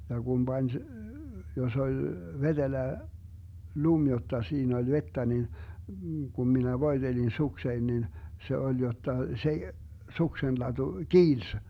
ja kun pani jos oli vetelä lumi jotta siinä oli vettä niin kun minä voitelin sukseni niin se oli jotta se suksenlatu kiilsi